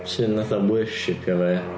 Sy'n fatha wŷrsipio fo ia.